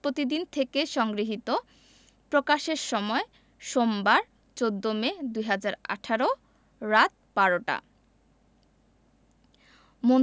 বাংলাদেশ প্রতিদিন থেলে সংগৃহীত প্রকাশের সময় সোমবার ১৪ মে ২০১৮ রাত ১২টা